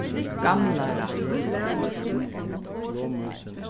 gamlarætt